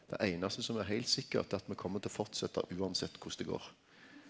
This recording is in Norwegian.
det einaste som er heilt sikkert er at me kjem til å fortsetta uansett korleis det går.